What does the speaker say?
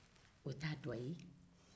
o t'a dɔ ye